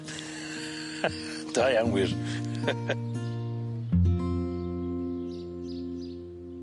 Da iawn wir.